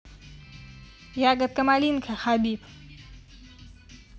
ягода малинка хабиб